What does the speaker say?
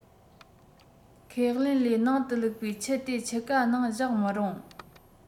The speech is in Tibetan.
ཁས ལེན ལས ནང དུ བླུག པའི ཆུ དེ ཆུ རྐ ནང བཞག མི རུང